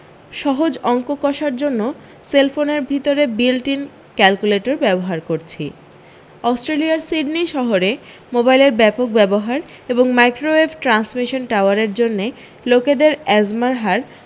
সহজ অঙ্ক কষার জন্যে সেলফোনের ভেতরে বিল্ট ইন ক্যালকুলেটর ব্যবহার করছি অস্ট্রেলিয়ার সিডনি শহরে মোবাইলের ব্যাপক ব্যবহার এবং মাইক্রোওয়েভ ট্র্যান্সমিশন টাওয়ারের জন্যে লোকেদের য়্যাজমার হার